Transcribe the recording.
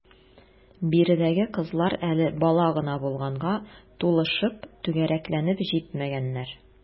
Биредәге кызлар әле бала гына булганга, тулышып, түгәрәкләнеп җитмәгәннәр.